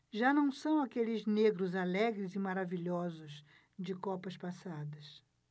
já não são aqueles negros alegres e maravilhosos de copas passadas